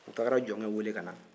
u taara jɔnkɛ weele ka na